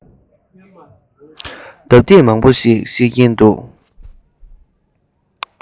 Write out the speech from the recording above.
སྐད ཆ ལྡབ ལྡིབ མང པོ ཞིག བཤད ཀྱིན འདུག